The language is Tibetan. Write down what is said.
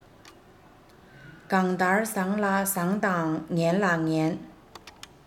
གང ལྟར བཟང ལ བཟང དང ངན ལ ངན